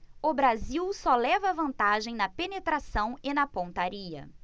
o brasil só leva vantagem na penetração e na pontaria